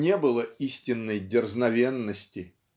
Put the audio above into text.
не было истинной дерзновенности